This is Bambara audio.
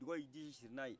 duga ye i disi siri n' a ye